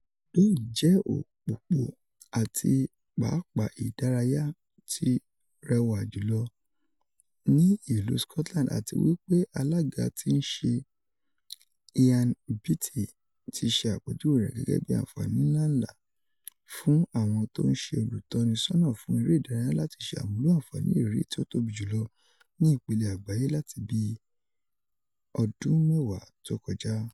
Doyle jẹ òpòpò ati pápàá idáráyá ti réwá júlọ no ilú Scotland ati wipe alaga ti nse lan Beattie ti se apejuwé rẹ gẹgẹ bi anfaani ńla ńlá fun awọn ton se olutọni sọna fun èrè daraya lati se amulo anfaani iriri ti o tobi julọ ni Ipele agbaye lati bi ọdin mẹwa to koja.